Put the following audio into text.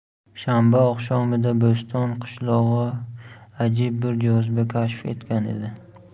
shanba oqshomida bo'ston qishlog'i ajib bir joziba kashf etgan edi